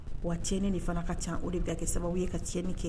Wa tiɲɛn ne de fana ka ca o de bɛ kɛ sababu ye ka tiɲɛnini kɛ